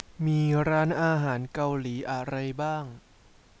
มีร้านอาหารเกาหลีอะไรบ้าง